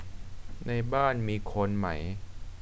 ในบ้านมีคนไหม